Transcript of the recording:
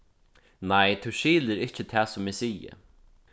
nei tú skilur ikki tað sum eg sigi